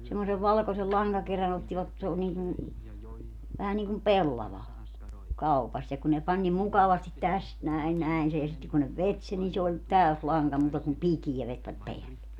semmoisen valkoisen lankakerän ottivat se on niin kuin vähän niin kuin pellava kaupasta ja kun ne pani niin mukavasti tästä näin näin sen ja sitten kun ne veti sen niin se oli täysi lanka muuta kuin pikeä vetivät päälle